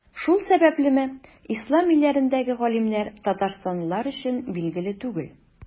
Шул сәбәплеме, Ислам илләрендәге галимнәр Татарстанлылар өчен билгеле түгел.